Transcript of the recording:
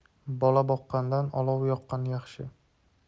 bola boqqandan olov yoqqan yaxshi